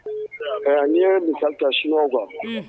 An ye mi ka sun kan